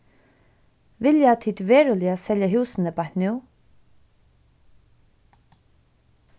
vilja tit veruliga selja húsini beint nú